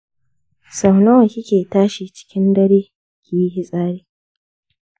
sau nawa kike tashi a cikin dare kiyi fitsari?